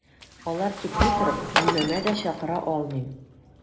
Алар китми торып, бүлмәмә дә чакыра алмыйм.